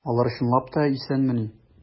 Алар чынлап та исәнмени?